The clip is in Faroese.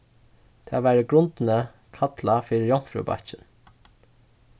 tað var í grundini kallað fyri jomfrúbakkin